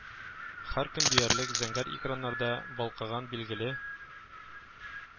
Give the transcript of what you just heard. Һәркөн диярлек зәңгәр экраннарда балкыган билгеле